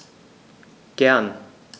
Gern.